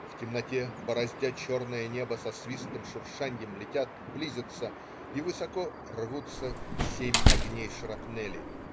В темноте, бороздя черное небо, со свистом, шуршаньем летят, близятся и высоко рвутся семь огней шрапнели.